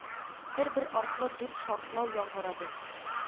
Бер-бер артлы дүрт шартлау яңгырады